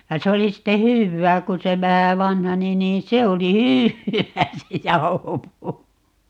ja se oli sitten hyvää kun se vähän vanheni niin se oli hyvää se jauhopuuro